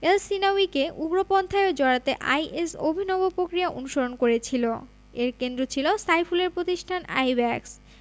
এলসহিনাউয়িকে উগ্রপন্থায় জড়াতে আইএস অভিনব প্রক্রিয়া অনুসরণ করেছিল এর কেন্দ্রে ছিল সাইফুলের প্রতিষ্ঠান আইব্যাকস